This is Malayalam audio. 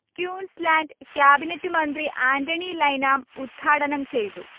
ക്യൂൻസ് ലാൻഡ് കാബിനറ്റ് മന്ത്രി ആന്റണി ലൈനാം ഉത്ഘാടനം ചെയ്തു